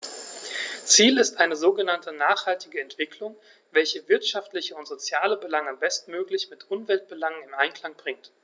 Ziel ist eine sogenannte nachhaltige Entwicklung, welche wirtschaftliche und soziale Belange bestmöglich mit Umweltbelangen in Einklang bringt.